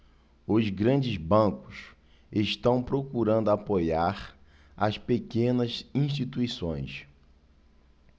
os grandes bancos estão procurando apoiar as pequenas instituições